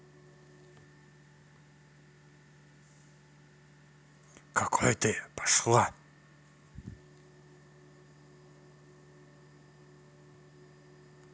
какой ты пошла